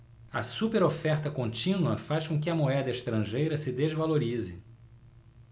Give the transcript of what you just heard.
a superoferta contínua faz com que a moeda estrangeira se desvalorize